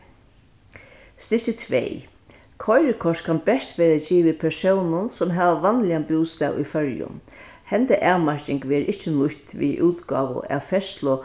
stykki tvey koyrikort kann bert verða givið persónum sum hava vanligan bústað í føroyum henda avmarking verður ikki nýtt við útgávu av ferðslu